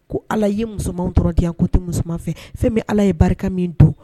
Ko Ala i ye musomanw dɔrɔn di yan . Ko n te musoman fɛ . Fɛmi Ala ye barika min don